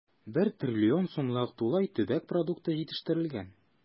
1 трлн сумлык тулай төбәк продукты җитештерелгән.